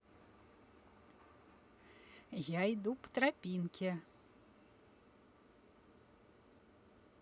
я иду по тропинке